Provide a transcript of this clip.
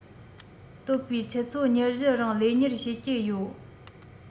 གཏོད པའི ཆུ ཚོད ༢༤ རིང ལས གཉེར བྱེད ཀྱི ཡོད